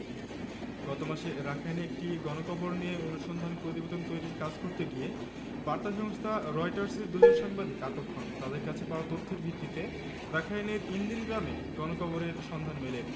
এমনকি মিয়ানমারে মানবাধিকারবিষয়ক জাতিসংঘের বিশেষ দূত ইয়াংহি লির সফর পরিকল্পনাও আটকে দিয়েছে ইয়াংহি লি রোহিঙ্গাদের কাছ থেকে